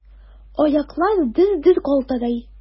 Аяклар дер-дер калтырый.